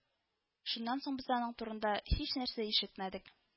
Шуннан соң без аның турында һичнәрсә ишетмәдек